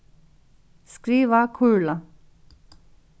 skriva kurla